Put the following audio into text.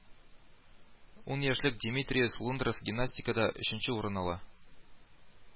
Ун яшьлек димитриос лундрас гимнастикада өченче урын ала